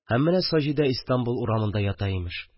Һәм менә Саҗидә Истанбул урамында ята, имеш